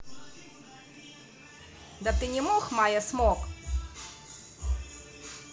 да ты не мог майя smoke